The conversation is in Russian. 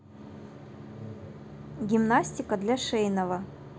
гимнастика для шейного